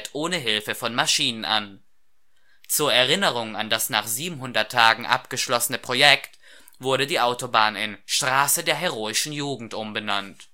ohne Hilfe von Maschinen an. Zur Erinnerung an das nach 700 Tagen abgeschlossene Projekt wurde die Autobahn in „ Straße der Heroischen Jugend “umbenannt